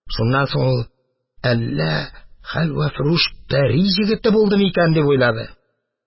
Шуннан соң ул: «Әллә хәлвәфрүш пәри егете булдымы икән?» – дип уйлады.